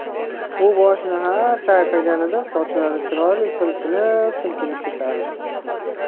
u boshini har chayqaganda sochlari chiroyli silkinib silkinib ketardi